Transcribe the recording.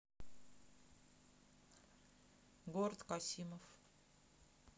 город касимов